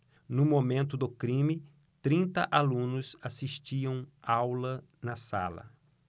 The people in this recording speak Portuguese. no momento do crime trinta alunos assistiam aula na sala